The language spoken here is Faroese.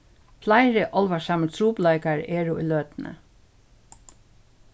fleiri álvarsamir trupulleikar eru í løtuni